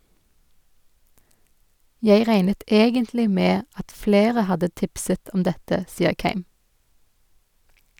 Jeg regnet egentlig med at flere hadde tipset om dette, sier Keim.